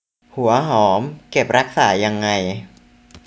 หัวหอมเก็บรักษายังไง